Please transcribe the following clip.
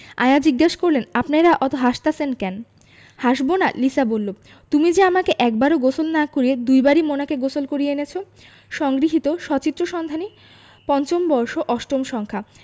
আয়া জিজ্ঞেস করলেন আপনেরা অত হাসতাসেন ক্যান হাসবোনা লিসা বললো তুমি যে আমাকে একবারও গোসল না করিয়ে দুইবারই মোনাকে গোসল করিয়ে এনেছো সংগৃহীত সচিত্র সন্ধানী৫ম বর্ষ ৮ম সংখ্যা